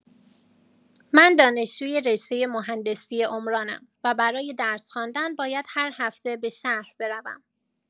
من دانشجوی رشته مهندسی عمرانم و برای درس خواندن باید هر هفته به شهر بروم.